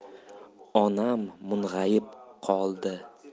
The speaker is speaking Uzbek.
onam mung'ayib qoldi